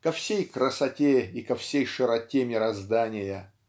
ко всей красоте и ко всей широте мироздания.